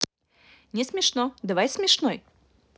не смешно давай смешной